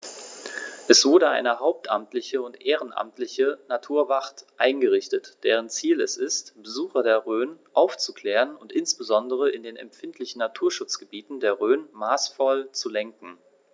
Es wurde eine hauptamtliche und ehrenamtliche Naturwacht eingerichtet, deren Ziel es ist, Besucher der Rhön aufzuklären und insbesondere in den empfindlichen Naturschutzgebieten der Rhön maßvoll zu lenken.